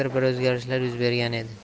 bir o'zgarishlar yuz bergan edi